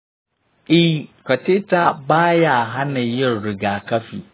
eh, catheter ba ya hana yin rigakafi.